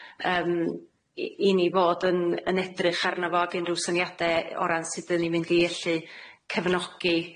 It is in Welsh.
yym, i i ni fod yn yn edrych arna fo, ag unryw syniade o ran sud 'dyn ni'n mynd i ellu cefnogi